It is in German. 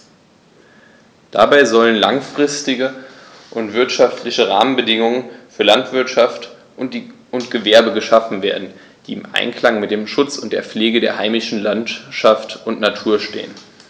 Dabei sollen langfristige und wirtschaftliche Rahmenbedingungen für Landwirtschaft und Gewerbe geschaffen werden, die im Einklang mit dem Schutz und der Pflege der heimischen Landschaft und Natur stehen.